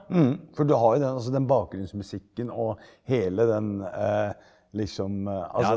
ja for du har jo den altså den bakgrunnsmusikken og hele den liksom .